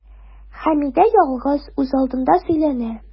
Хәмидә ялгыз, үзалдына сөйләнә.